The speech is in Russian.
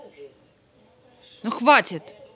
ну хватит